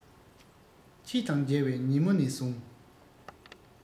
ཁྱེད དང མཇལ བའི ཉིན མོ ནས བཟུང